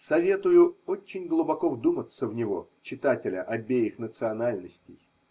Советую очень глубоко вдуматься в него читателя обеих национальностей.